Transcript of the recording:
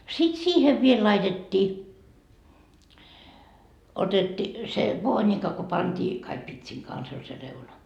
sitten siihen vielä laitettiin otettiin se voonika kun pantiin kaikki pitsin kanssa oli se reuna